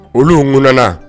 Olu mun